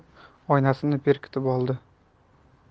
chiqib oynasini berkitib oldi